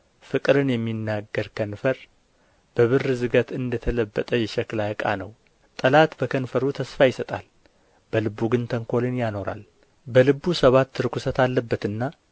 ፍቅርን የሚናገር ከንፈር በብር ዝገት እንደ ተለበጠ የሸክላ ዕቅ ነው ጠላት በከንፈሩ ተስፋ ይሰጣል በልቡ ግን ተንኰልን ያኖራል በልቡ ሰባት ርኵሰት አለበትና